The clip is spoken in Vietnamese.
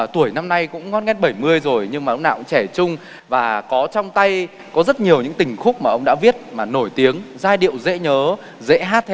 tuổi năm nay cũng ngót nghét bảy mươi rồi nhưng mà lúc nào cũng trẻ trung và có trong tay có rất nhiều những tình khúc mà ông đã viết mà nổi tiếng giai điệu dễ nhớ dễ hát theo